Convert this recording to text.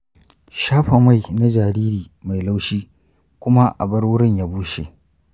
shafa mai na jariri mai laushi kuma abar wurin ya bushe.